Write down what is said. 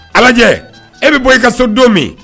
Alajɛ e be bɔ i ka so don min